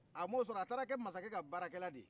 a m'o sɔrɔ a taara kɛ mansakɛ ka baarakɛla de ye